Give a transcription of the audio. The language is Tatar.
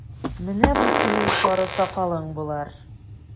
Менә бу синең сары сакалың булыр!